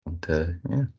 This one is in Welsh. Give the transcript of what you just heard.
Ond yy ia.